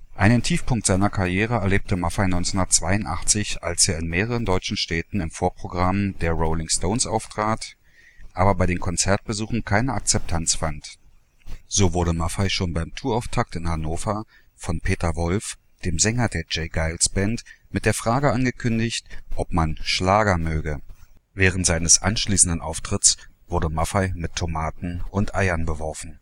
Einen Tiefpunkt seiner Karriere erlebte Maffay 1982, als er in mehreren deutschen Städten im Vorprogramm der Rolling Stones auftrat, aber bei den Konzertbesuchern keine Akzeptanz fand. So wurde Maffay schon beim Tourauftakt in Hannover von Peter Wolf, dem Sänger der J. Geils Band, mit der Frage angekündigt, ob man „ Schlager “möge. Während seines anschließenden Auftritts wurde Maffay mit Tomaten und Eiern beworfen